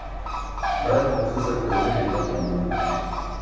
Դա էլ պրոցես է ու տևելու է երկար ժամանակ։